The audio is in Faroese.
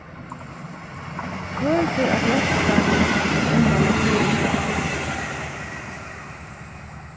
hvør fer at hjálpa teimum at umvæla bilin